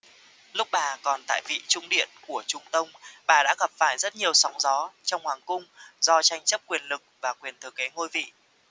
lúc bà còn tại vị trung điện của trung tông bà đã gặp phải rất nhiều sóng gió trong hoàng cung do tranh chấp quyền lực và quyền thừa kế ngôi vị